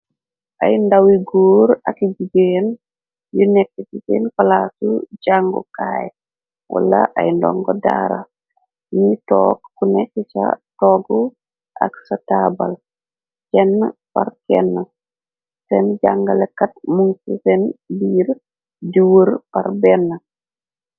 ay ndawi guur ak jigéen yu nekk ci seen palaatu jàngu kaay wala ay ndongo daara ni toog ku nekk ca toogu ak sa taabal kenn par kenn seen jàngalekat mun ci seen biir diwur par benn